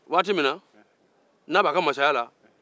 waati min na n'a b'a ka mansaya la